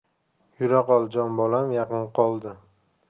yura qol jon bolam yaqin qoldi